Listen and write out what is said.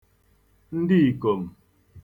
ndịìkòm̀